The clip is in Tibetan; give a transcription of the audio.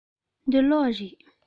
འདི གློག རེད